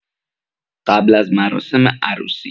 قبل از مراسم عروسی